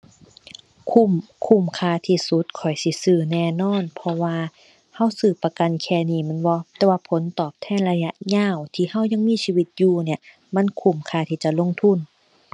คุ้ม คุ้มค่าที่สุด ข้อยสิซื้อแน่นอน เพราะว่าเราซื้อประกันแค่นี้แม่นบ่ แต่ว่าผลตอบแทนระยะยาวที่เรายังมีชีวิตอยู่เนี่ย มันคุ้มค่าที่จะลงทุน